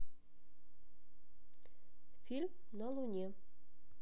фильм на луне